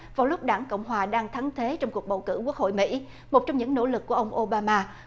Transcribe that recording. vào lúc đảng cộng hòa đang thắng thế trong cuộc bầu cử quốc hội mỹ một trong những nỗ lực của ông ô ba ma